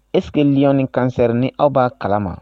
Eski lni kansɛri ni aw b'a kalama